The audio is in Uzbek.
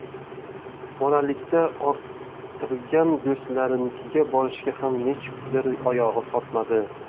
bolalikda orttirgan do'stlarinikiga borishga ham nechukdir oyog'i tortmadi